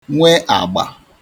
nwe àgbà